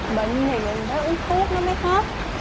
bệnh này mình phải uống thuốc nó mới hết